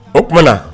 O tumaumana na